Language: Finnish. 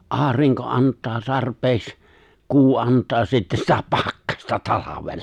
aurinko antaa tarpeeksi kuu antaa sitten sitä pakkasta talvella